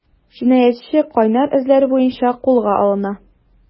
Җинаятьче “кайнар эзләр” буенча кулга алына.